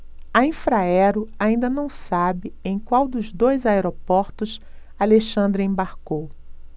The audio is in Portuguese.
a infraero ainda não sabe em qual dos dois aeroportos alexandre embarcou